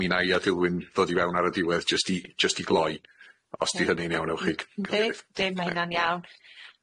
mi 'nai a Dilwyn ddod i fewn ar y diwedd jyst i jyst i gloi os 'di hynny'n iawn efo chi. Yndi dim ma' hynna'n iawn.